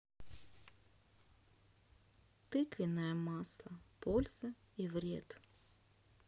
тыквенное масло польза и вред